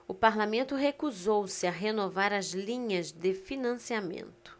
o parlamento recusou-se a renovar as linhas de financiamento